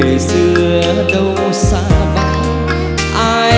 người xưa